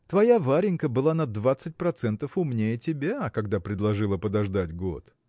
– Твоя Варенька была на двадцать процентов умнее тебя когда предложила подождать год.